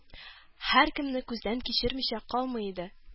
Һәркемне күздән кичермичә калмый иде.